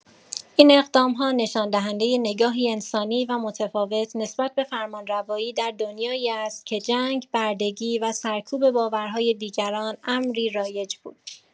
این اقدام‌ها نشان‌دهنده نگاهی انسانی و متفاوت نسبت به فرمانروایی در دنیایی است که جنگ، بردگی و سرکوب باورهای دیگران امری رایج بود.